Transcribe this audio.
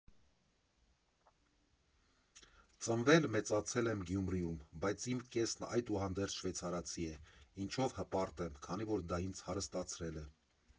Ծնվել, մեծացել եմ Գյումրում, բայց իմ կեսն այնուհանդերձ շվեյցարացի է, ինչով հպարտ եմ, քանի որ դա ինձ հարստացրել է։